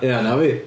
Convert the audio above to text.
Ia, na fi.